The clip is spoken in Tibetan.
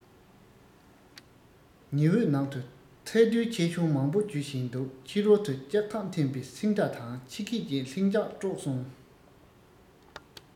ཉི འོད ནང དུ ཐལ རྡུལ ཆེ ཆུང མང པོ རྒྱུ བཞིན འདུག ཕྱི རོལ དུ ལྕགས ཐག འཐེན པའི སིང སྒྲ དང ཁྱི སྐད ཀྱིས ལྷིང འཇགས དཀྲོགས སོང